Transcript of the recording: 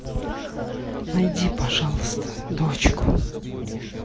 найди пожалуйста дочку